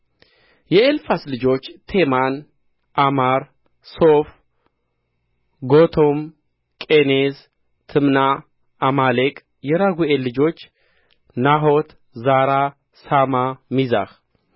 የኤልፋዝ ልጆች ቴማን ኦማር ስፎ ጎቶም ቄኔዝ ቲምናዕ አማሌቅ የራጉኤል ልጆች ናሖት ዛራ ሣማ ሚዛህ